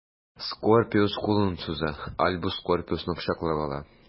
Скорпиус кулын суза, Альбус Скорпиусны кочаклап ала.